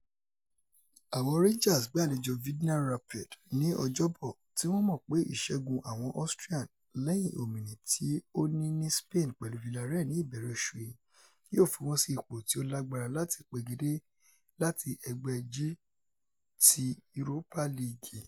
Àwọn Rangers gbàlejò Vidna Rapid ni Ọjọ́bọ̀, tí wọ́n mọ̀ pé ìṣẹ́gun àwọn Austrian, lẹ́hìn ọ̀mìnì tí ó ní ní Spain pẹ̀lú Villarreal ní ìbẹ̀ẹ̀rẹ̀ oṣù yí, yóò fi wọ́n sí ipò tí ó lágbára láti pegedé láti Ẹgbẹ́ G ti Ùrópà Lììgì